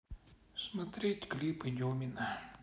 смотреть клипы дюмина